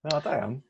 O da iawn.